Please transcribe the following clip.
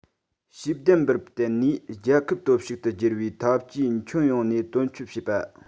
ཤེས ལྡན པར བརྟེན ནས རྒྱལ ཁབ སྟོབས ལྡན དུ བསྒྱུར བའི འཐབ ཇུས ཁྱོན ཡོངས ནས དོན འཁྱོལ བྱེད པ